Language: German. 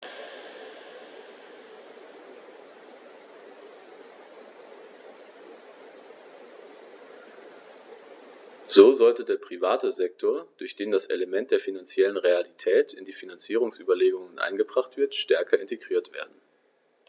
So sollte der private Sektor, durch den das Element der finanziellen Realität in die Finanzierungsüberlegungen eingebracht wird, stärker integriert werden.